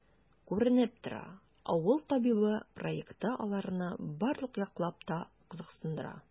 Күренеп тора,“Авыл табибы” проекты аларны барлык яклап та кызыксындыра.